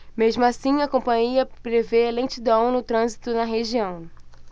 mesmo assim a companhia prevê lentidão no trânsito na região